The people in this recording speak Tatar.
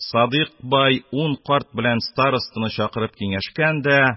Садыйк бай ун карт белән старостаны чакырып киңәшкән дә: